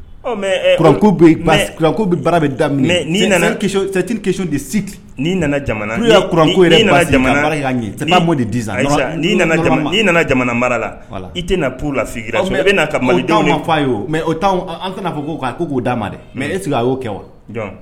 Bara bɛ daminɛ di nana nana jamana mara la i tɛu la ka mali fɔ a ye mɛ fɔ ko k'o d' ma dɛ mɛ e a y'o kɛ wa